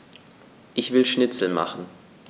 Ich will Schnitzel machen.